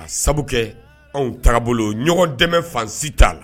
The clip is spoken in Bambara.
Ka sabu kɛ anw taabolo bolo ɲɔgɔn dɛmɛ fan si t'a la